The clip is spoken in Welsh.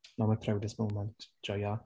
Not my proudest moment. Joio.